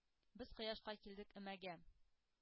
Без кояшка килдек өмәгә,